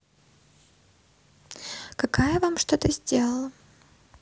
какая вам что то сделала